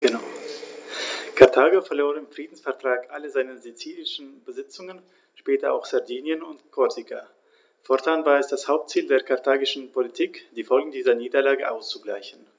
Karthago verlor im Friedensvertrag alle seine sizilischen Besitzungen (später auch Sardinien und Korsika); fortan war es das Hauptziel der karthagischen Politik, die Folgen dieser Niederlage auszugleichen.